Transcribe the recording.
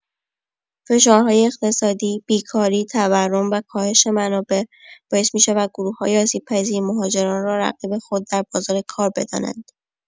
فشارهای اقتصادی: بیکاری، تورم و کاهش منابع، باعث می‌شود گروه‌های آسیب‌پذیر، مهاجران را رقیب خود در بازار کار بدانند.